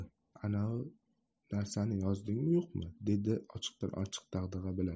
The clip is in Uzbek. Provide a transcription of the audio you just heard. anu narsani yozdingmi yo'qmi dedi ochiqdan ochiq dag'dag'a bilan